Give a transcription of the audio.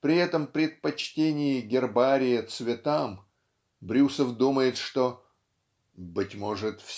при этом предпочтении гербария цветам Брюсов думает что Быть может